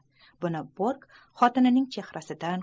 buni bork xotinining chehrasidan